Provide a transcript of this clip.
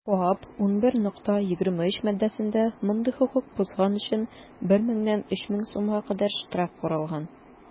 КоАП 11.23 маддәсендә мондый хокук бозган өчен 1 меңнән 3 мең сумга кадәр штраф каралган.